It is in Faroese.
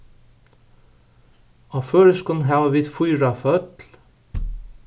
á føroyskum hava vit fýra føll